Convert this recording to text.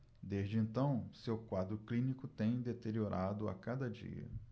desde então seu quadro clínico tem deteriorado a cada dia